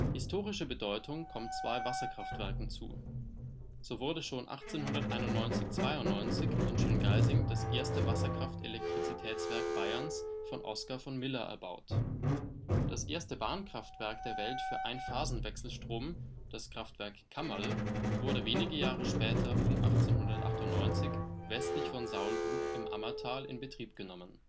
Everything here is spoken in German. Historische Bedeutung kommt zwei Wasserkraftwerken zu. So wurde schon 1891 / 92 in Schöngeising das erste Wasserkraft-Elektrizitätswerk Bayerns von Oskar von Miller erbaut. Das erste Bahnkraftwerk der Welt für Einphasenwechselstrom, das Kraftwerk Kammerl, wurde wenige Jahre später um 1898 westlich von Saulgrub im Ammertal in Betrieb genommen